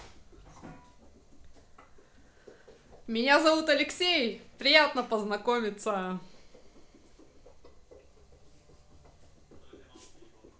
меня зовут алексей приятно познакомиться